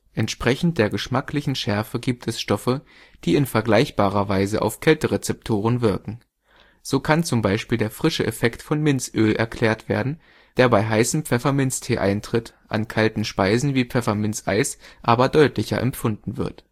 Entsprechend der geschmacklichen Schärfe gibt es Stoffe, die in vergleichbarer Weise auf Kälterezeptoren wirken. So kann zum Beispiel der Frischeeffekt von Minzöl erklärt werden, der bei heißem Pfefferminztee eintritt, an kalten Speisen wie Pfefferminz-Eis aber deutlicher empfunden wird